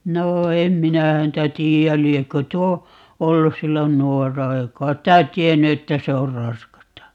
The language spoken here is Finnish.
no en minä häntä tiedä liekö tuo ollut silloin nuorena ei kai sitä tiennyt että se on raskasta